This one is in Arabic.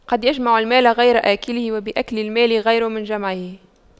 قد يجمع المال غير آكله ويأكل المال غير من جمعه